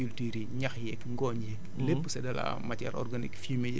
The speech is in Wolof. maanaam résidus de culture yi ñax yeeg ngooñ yeeg